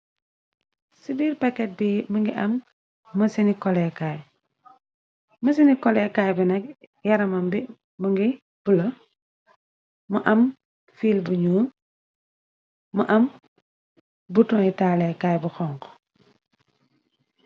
ci biir paket bi më ngi am mësini kolekaay bi na yaramam bi më ngi plë mo am fiil bu ñuul mo am butonyi taaleekaay bu xonk